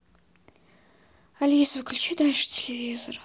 алиса включи дальше телевизор